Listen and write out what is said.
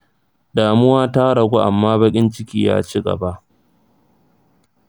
damuwa ta ragu amma baƙin ciki ya ci gaba.